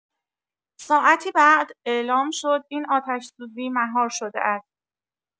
ساعتی بعد اعلام شد این آتش‌سوزی مهار شده است.